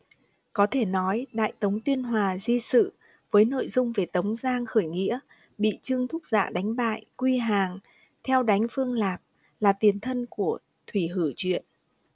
có thể nói đại tống tuyên hòa di sự với nội dung về tống giang khởi nghĩa bị trương thúc dạ đánh bại quy hàng theo đánh phương lạp là tiền thân của thủy hử truyện